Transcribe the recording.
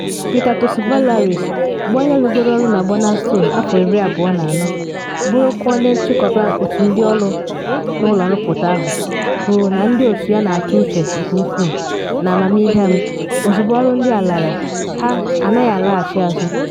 Peter Tsouvallaris, bụ onye rụgoro ọrụ na Burnaston afọ 24, bụrụkwa onye nchịkọba otu ndị ọrụ n’ụlọ nrụpụta ahụ, kwuru na ndị otu ya na-atụ uche nke ukwuu: “N’ahụmihe m, ozugbo ọrụ ndị a lara, ha anaghị alaghachi azụ.